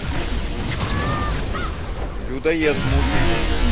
людоед мультик